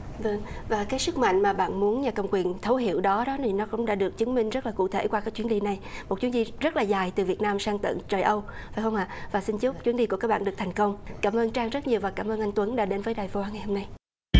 vâng và cái sức mạnh mà bạn muốn nhà cầm quyền thấu hiểu đó là nó cũng đã được chứng minh rất là cụ thể qua các chuyến đi này một chuyến đi rất là dài từ việt nam sang tận trời âu phải không ạ và xin chúc chuyến đi của các bạn được thành công cảm ơn trang rất nhiều và cảm ơn anh tuấn đã đến với đài vũ hán ngày hôm nay